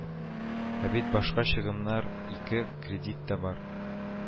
Ә бит башка чыгымнар, ике кредит та бар